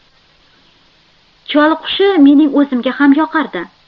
choliqushi mening o'zimga ham yoqardi